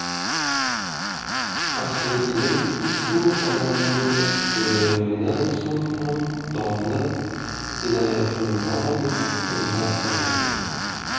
ahli ilm bu odamni o'limidan so'ng ham domla inoyatullo deb hurmat qilardi